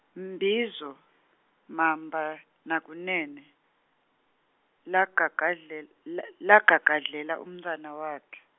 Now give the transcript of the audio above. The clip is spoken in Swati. Mbizo Mamba naKunene, lagagadlel- l- lagagadlele umntfwana wakhe.